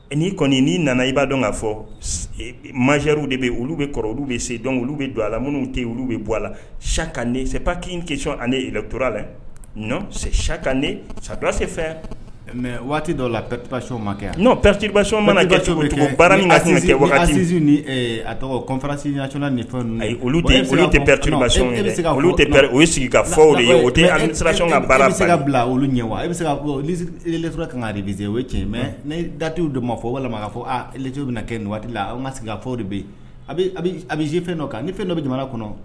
N'i kɔni n'i nana i b'a dɔn ka fɔ maw de bɛ olu bɛ kɔrɔ olu bɛ se dɔn olu bɛ don a la minnu tɛ olu bɛ bɔ a la sa ka ne sep' kec ani tora la ka ne salase fɛ mɛ waati dɔ la py ma kɛ n'o pɛtibayɔn mana min sin a tɔgɔsi fɛn tɛ bɛ se sigi kaw bɛ se ka bila olu ɲɛ wa a bɛ se ka le ka kan de bɛ se o cɛ mɛ ne datuw dɔ ma fɔ o walima k'a fɔ j bɛ na kɛ nin waati la an ka sigi ka fɔ de bi a bɛi fɛn dɔ kan ni fɛn dɔ bɛ jamana kɔnɔ